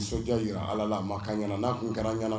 Nisɔndiya jira ala la a ma ka ɲɛnaana n'a kun kana ɲɛnaana